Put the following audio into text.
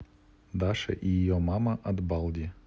даша и ее мама от балди